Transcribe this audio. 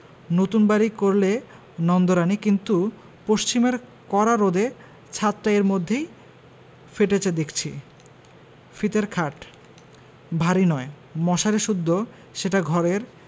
নতুন বাড়ি করলে নন্দরানী কিন্তু পশ্চিমের কড়া রোদে ছাতটা এর মধ্যেই ফেটেচে দেখচি ফিতের খাট ভারী নয় মশারি সুদ্ধ সেটা ঘরের